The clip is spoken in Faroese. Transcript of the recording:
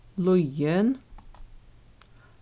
líðin